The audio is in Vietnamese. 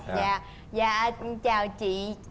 dạ dạ chào chị